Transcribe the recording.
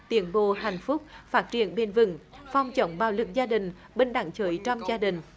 tiến bộ hạnh phúc phát triển bền vững phòng chống bạo lực gia đình bình đẳng giới trong gia đình